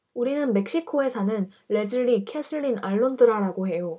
우리는 멕시코에 사는 레즐리 케슬린 알론드라라고 해요